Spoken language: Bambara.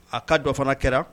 A ka dɔ fana kɛra